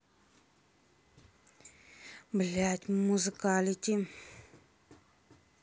блядь музыкалити